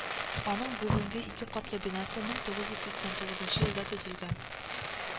Аның бүгенге ике катлы бинасы мең тугыз йөз сиксән тугузынчы елда төзелгән